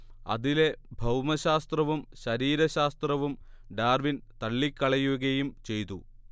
അതിലെ ഭൗമശാസ്ത്രവും ശരീരശാസ്ത്രവും ഡാർവിൻ തള്ളിക്കളയുകയും ചെയ്തു